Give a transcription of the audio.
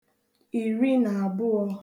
ìri nà àbụọ